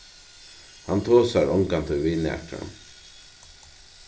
hann tosar ongantíð við nakran